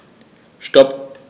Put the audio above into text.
Stop.